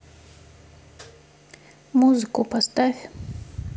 музыки поставить